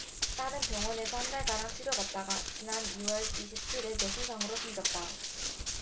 딸은 병원에서 한 달가량 치료받다가 지난 일 월 이십 칠 일 뇌 손상으로 숨졌다